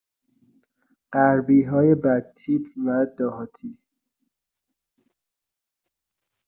غربی‌های بدتیپ و دهاتی!